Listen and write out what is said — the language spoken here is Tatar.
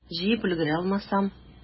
Җыеп өлгерә алмасам?